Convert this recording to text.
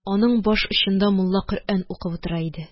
Аның баш очында мулла Коръән укып тора иде.